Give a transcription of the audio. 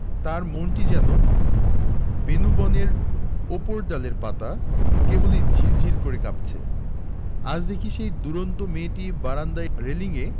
তার মনটি যেন বেনূবনের উপরডালের পাতা কেবলি ঝির ঝির করে কাঁপছে আজ দেখি সেই দূরন্ত মেয়েটি বারান্দায় রেলিঙে